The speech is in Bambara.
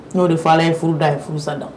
N'o de fa ye furu da ye furusa da